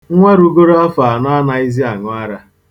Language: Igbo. Nnwa rugoro afọ anọ anaghịzị aṅụ ara.